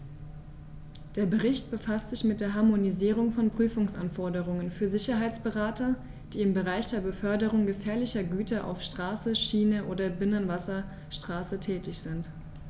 Der Bericht befasst sich mit der Harmonisierung von Prüfungsanforderungen für Sicherheitsberater, die im Bereich der Beförderung gefährlicher Güter auf Straße, Schiene oder Binnenwasserstraße tätig sind.